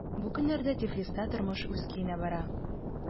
Бу көннәрдә Тифлиста тормыш үз көенә бара.